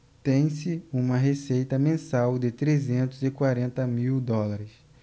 tem-se uma receita mensal de trezentos e quarenta mil dólares